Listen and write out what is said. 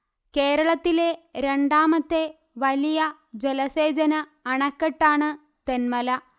കേരളത്തിലെ രണ്ടാമത്തെ വലിയ ജലസേചന അണക്കെട്ടാണ് തെന്മല